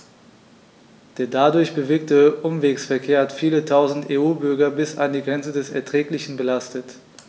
Der dadurch bewirkte Umwegsverkehr hat viele Tausend EU-Bürger bis an die Grenze des Erträglichen belastet.